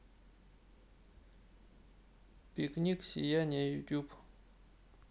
пикник сияние ютуб